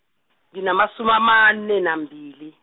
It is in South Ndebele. nginamasum- amane nambili.